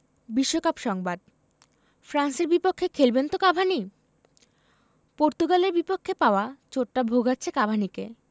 বিশ্বকাপ সংবাদ ফ্রান্সের বিপক্ষে খেলবেন তো কাভানি পর্তুগালের বিপক্ষে পাওয়া চোটটা ভোগাচ্ছে কাভানিকে